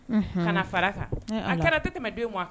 Unhun, ka na Fara a kan, a kɛra a te tɛmɛ 2 mois kan.